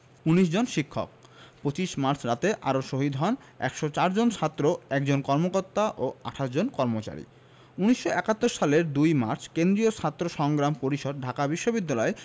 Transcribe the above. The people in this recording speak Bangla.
১৯ জন শিক্ষক ২৫ মার্চ রাতে আরো শহীদ হন ১০৪ জন ছাত্র ১ জন কর্মকর্তা ও ২৮ জন কর্মচারী ১৯৭১ সালের ২ মার্চ কেন্দ্রীয় ছাত্র সংগ্রাম পরিষদ ঢাকা বিশ্ববিদ্যালয়